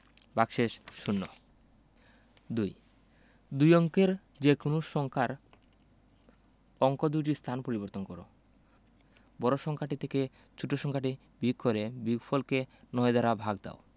ভাগশেষ শূন্য ২ দুই অঙ্কের যেকোনো সংখ্যার অঙ্ক দুইটির স্থান পরিবর্তন কর বড় সংখ্যাটি থেকে ছোট সংখ্যাটি বিয়োগ করে বিয়োগফলকে ৯ দ্বারা ভাগ দাও